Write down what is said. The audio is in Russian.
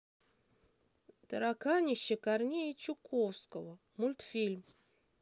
тараканище корнея чуковского мультфильм